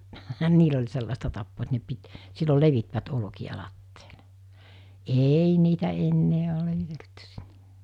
niillä oli sellaista tapaa että ne piti silloin levittivät olkia lattialle ei niitä enää ole levitelty sinne